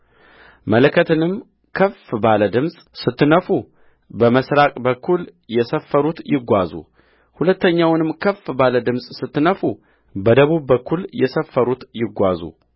መለከትንም ከፍ ባለ ድምፅ ስትነፉ በምሥራቅ በኩል የሰፈሩት ይጓዙሁለተኛውንም ከፍ ባለ ድምፅ ስትነፉ በደቡብ በኩል የሰፈሩት ይጓዙ